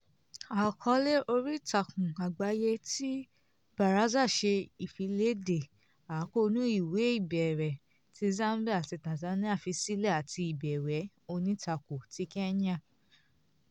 Àkọọ́lẹ̀ oríìtakùn àgbáyé ti Baraza ṣe ìfiléde àkóónú ìwé ìbẹ̀wẹ̀ tí Zambia àti Tanzania fi sílẹ̀ àti ìbẹ̀wẹ̀ onítakò ti Kenya.